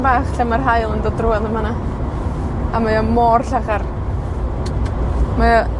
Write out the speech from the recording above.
fach lle mae'r haul y dod drwadd yn fan 'na. A mae o mor llachar. Mae o